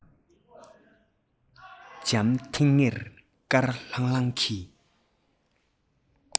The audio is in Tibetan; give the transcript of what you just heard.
འཇམ ཐིང ངེར དཀར ལྷང ལྷང གི